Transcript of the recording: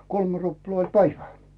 kolme ruplaa oli päivä